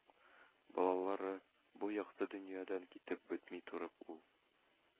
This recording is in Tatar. Балалары, бу якты дөньядан китеп бетми торып, ул